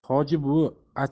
hoji buvi acha